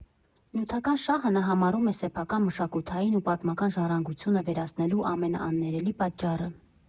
Նյութական շահը նա համարում է սեփական մշակութային ու պատմական ժառանգությունը վերացնելու ամենաաններելի պատճառը։